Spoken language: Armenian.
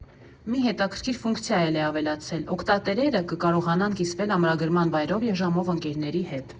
Մի հետաքրքիր ֆունկցիա էլ է ավելացել՝ օգտատերերը կկարողանան կիսվել ամրագրման վայրով և ժամով ընկերների հետ։